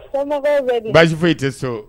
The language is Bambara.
Somɔgɔw be di baasi foyi te so